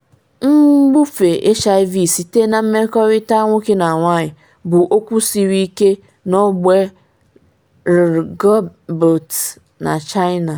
Nbufe HIV site na mmekọrịta nwoke na nwanyị bụ okwu siri ike n’ogbe LGBT ndị China.